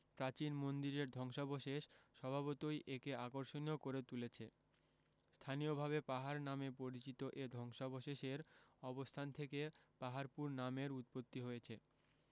প্রাচীন মন্দিরের ধ্বংসাবশেষ স্বভাবতই একে আকর্ষণীয় করে তুলেছে স্থানীয়ভাবে পাহাড় নামে পরিচিত এ ধ্বংসাবশেষের অবস্থান থেকে পাহাড়পুর নামের উৎপত্তি হয়েছে